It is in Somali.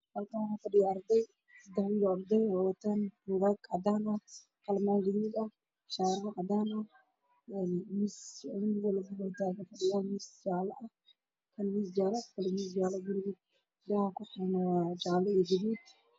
Waa wiilal meel fadhiyo wax ay ka shaqeynayan imtaxaan